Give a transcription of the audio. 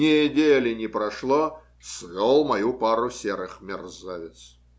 Недели не прошло - свел мою пару серых, мерзавец.